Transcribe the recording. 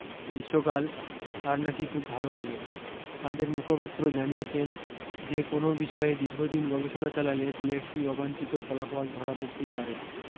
গৃীষ্ম কাল তার নাকি খুব ভাল লাগে তাদের মুখপাত্র জানিয়েছেন যে কোনও বিষয়ে দীর্ঘদিন গবেষণা চালালে দুএকটি অবাঞ্চিত ফলাফল ধরা পড়তেই পারে